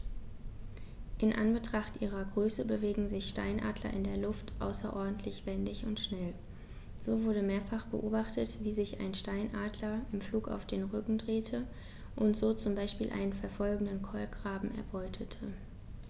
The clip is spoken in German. In Anbetracht ihrer Größe bewegen sich Steinadler in der Luft außerordentlich wendig und schnell, so wurde mehrfach beobachtet, wie sich ein Steinadler im Flug auf den Rücken drehte und so zum Beispiel einen verfolgenden Kolkraben erbeutete.